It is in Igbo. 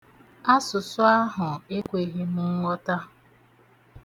Asụsụ ahụ ekweghị m nghọta.